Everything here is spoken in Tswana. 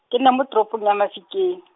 ke nna mo toropong ya Mafikeng.